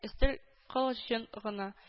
Өстел кыл җон гына